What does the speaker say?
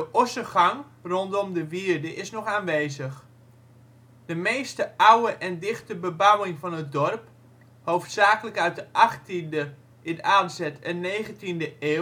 ossengang rondom de wierde is nog aanwezig. De meeste oude en dichte bebouwing van het dorp (hoofdzakelijk uit de 18e (in aanzet) en 19e eeuw